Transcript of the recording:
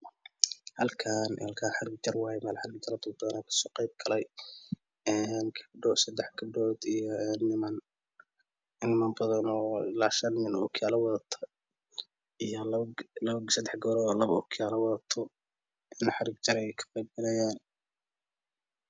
Halkaan meel xarag jar waaye dad badan ayaa kasoo qeyb galay seddex gabdhood iyo niman. ilmo badan oo ilaa shan nin oo okoyaalo wadato iyo seddex gabaro labo okiyaalo wadato. meel xarig jar ayay kaqeyb galahayaan.